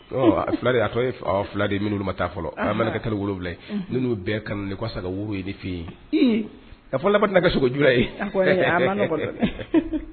Fila fila de minnu taa fɔlɔ a mana kalo wolowula nu bɛɛ kanu sa woro yefin ye a fɔ kɛ sogoju ye